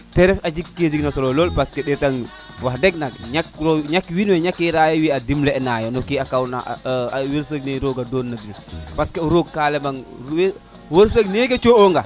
te ref a jeg ke jeg na solo lool parce que :frea ɗetan wax deg nak ñak ñak wiin we ñakira dim le ra yo no ke kaw na a wersëk ne dona wiin parce que roog ka lam tan wersëk nene co onga